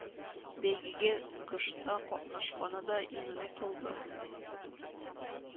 Бәйгегә гышта катнашканы да, иңүне тылда